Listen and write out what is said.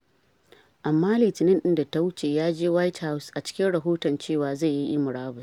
Amma Litinin din da ta wuce ya je White House, a cikin rahoton cewa zai yi marabus.